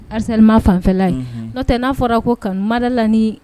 Harcèlement fanfɛla ye no tɛ n'a fɔra ko kanu madala ni